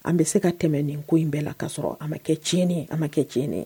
An bɛ se ka tɛmɛ ni ko in bɛɛ la k kasɔrɔ an ma kɛ tien an ma kɛ tien